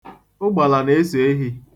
Ụgbala na-eso ehi.